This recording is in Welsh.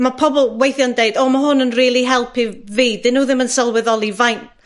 Ma' pobol weithia'n deud, o, ma' hwn yn rili helpu fi. 'Dyn nw ddim yn sylweddoli fain'